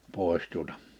tuota